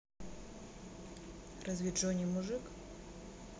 разве джой не мужик